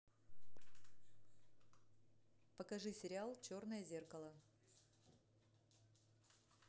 покажи сериал черное зеркало